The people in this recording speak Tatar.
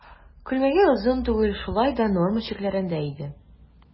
Күлмәге озын түгел, шулай да норма чикләрендә иде.